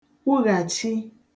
kwughàchi